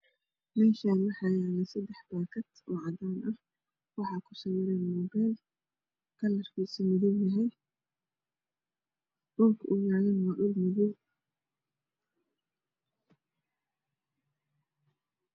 Meeshaan waxaa yaalo saddex baakad oo cadaan ah waxaa ku sawiran moobeel kalarkiisa madow yahay dhulka uu yaalana waa dhul madow.